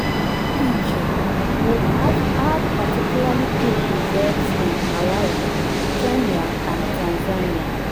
PG: We have had particularly good results in Malawi, Kenya and Tanzania.